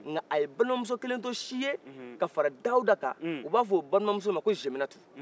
nka a ye balimamuso kelen to siye ka fara dawuda kan u b'a f'o balimamuso nin ma ko jeminatu